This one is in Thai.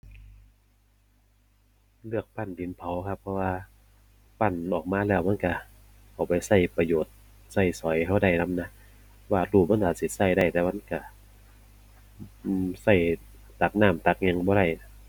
เลือกปั้นดินเผาครับ เพราะว่าปั้นออกมาแล้วมันก็เอาไปก็ประโยชน์ ก็สอยก็ได้นำนะ วาดรูปมันก็อาจสิก็ได้ แต่ว่ามันก็ อือ ก็ตักน้ำตักหยังบ่ได้